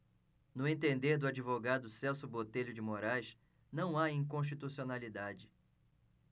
no entender do advogado celso botelho de moraes não há inconstitucionalidade